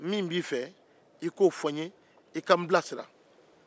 a fɔ n ye min b'i fɛ i ka n bilasira